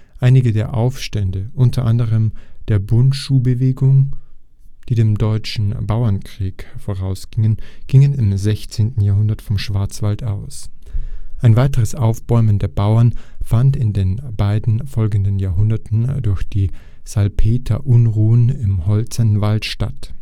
Einige der Aufstände (unter anderem der Bundschuh-Bewegung), die dem Deutschen Bauernkrieg vorausgingen, gingen im 16. Jahrhundert vom Schwarzwald aus. Ein weiteres Aufbäumen der Bauern fand in den beiden folgenden Jahrhunderten durch die Salpetererunruhen im Hotzenwald statt